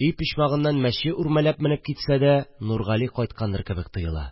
өй почмагыннан мәче үрмәләп менеп китсә дә Нургали кайткандыр кебек тоела